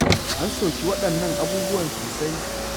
An soki waɗannan abubuwan sosai.